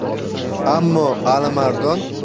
ammo alimardon undan